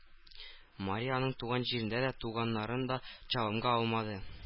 Мария аның туган җирен дә, туганнарын да чалымга алмады.